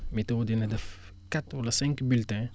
météo dina def quatre wala cinq bulletins